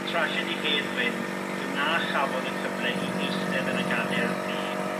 trasiedi Hedd Wyn yw na chafodd y cyfle i eistedd yn y gadaer ddu